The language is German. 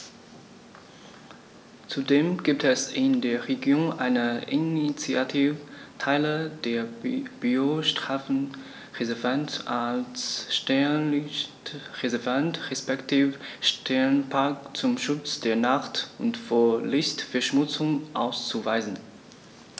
Zudem gibt es in der Region eine Initiative, Teile des Biosphärenreservats als Sternenlicht-Reservat respektive Sternenpark zum Schutz der Nacht und vor Lichtverschmutzung auszuweisen.